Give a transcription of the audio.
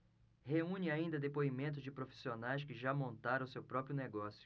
reúne ainda depoimentos de profissionais que já montaram seu próprio negócio